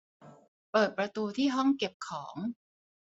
เปิดประตูที่ห้องเก็บของ